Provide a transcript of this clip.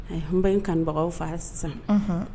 A ye hba in kanubagaw fara sisan